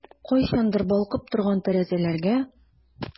Кайчандыр балкып торган тәрәзәләргә...